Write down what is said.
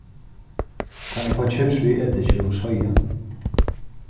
kann eg fáa kips við ediki og soya